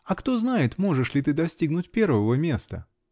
а кто знает, можешь ли ты достигнуть первого места?